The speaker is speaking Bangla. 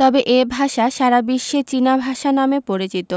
তবে এ ভাষা সারা বিশ্বে চীনা ভাষা নামে পরিচিত